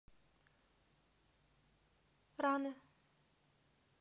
раны